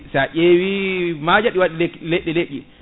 sa ƴeewi maaje ne lekki leƴƴi leƴƴi